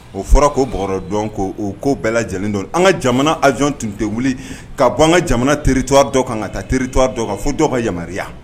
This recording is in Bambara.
O fɔra ko bɔgɔra dɔn, ko ko bɛɛ lajɛlen don, an ka jamana avion tun tɛ wuli k'a bɔ an ka jamana territoire dɔ kan, ka taa an ka jamana territoire dɔ kan, fɔ dɔ ka yamaruya